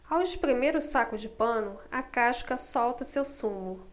ao espremer o saco de pano a casca solta seu sumo